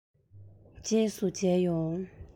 རྗེས སུ མཇལ ཡོང